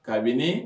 Kabini